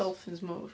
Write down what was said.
Dolffins mawr.